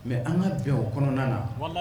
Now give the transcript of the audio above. Mɛ an ka bɛn o kɔnɔna na